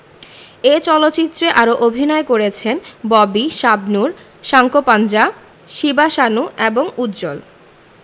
এ চলচ্চিত্রে আরও অভিনয় করেছেন ববি শাহনূর সাঙ্কোপাঞ্জা শিবা সানু এবং উজ্জ্বল